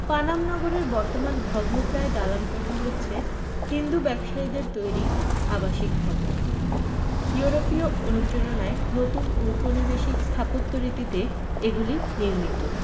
পানাম নগরের বর্তমান ভগ্নপ্রায় দালানকোঠা হচ্ছে হিন্দু ব্যবসায়ীদের তৈরি আবাসিক ভবন ইউরোপীয় অনুপ্রেরণায় নতুন উপনিবেশিক স্থাপত্য রীতিতে এগুলি নির্মিত